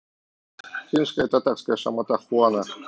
крымская татарская шамота хуана